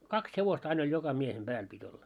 kaksi hevosta aina oli joka miehen päälle piti olla